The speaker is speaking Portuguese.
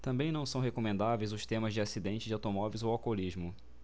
também não são recomendáveis os temas de acidentes de automóveis ou alcoolismo